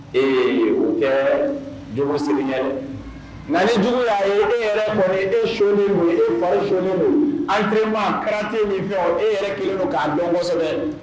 Ee o tɛ seli ye na ni jugu la ye e yɛrɛ kɔni e soɔni mun e fa soɔni don an kelen'an kɛrati min fɛ e yɛrɛ kelen don k'a dɔn kosɛbɛ